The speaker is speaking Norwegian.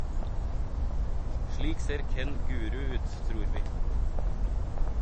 Slik ser Ken Guru ut, tror vi.